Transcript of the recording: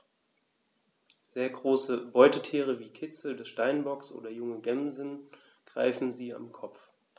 Sehr große Beutetiere wie Kitze des Steinbocks oder junge Gämsen greifen sie am Kopf.